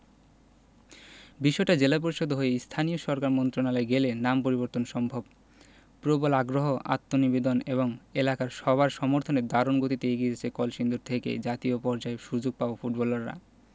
বিষয়টা জেলা পরিষদ হয়ে স্থানীয় সরকার মন্ত্রণালয়ে গেলে নাম পরিবর্তন সম্ভব প্রবল আগ্রহ আত্মনিবেদন এবং এলাকার সবার সমর্থনে দারুণ গতিতে এগিয়ে যাচ্ছে কলসিন্দুর থেকে জাতীয় পর্যায়ে সুযোগ পাওয়া ফুটবলাররা